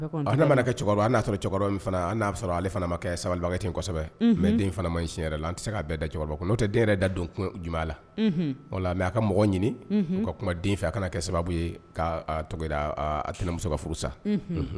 A nana mana kɛ cɛkɔrɔba ye, n'a sɔrɔ cɛkɔrɔba in fana ma kɛ sabalibaka ye, kosɛbɛ, unhun mais den fana ma ɲi, tiɲɛnnin yɛrɛ la an tɛ se k'a bɛɛ da cɛkɔrɔba kun, n'o tɛ yɛrɛ den da don ku jumɛn b'a la, unhun, o lma mais a ka mɔgɔ ɲini ka kuma den fɛ a kana kɛ sababu ye, a tɔgɔ ye di k'a tɛnɛmuso ka furu sa.unhun